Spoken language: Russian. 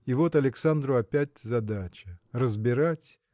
И вот Александру опять задача – разбирать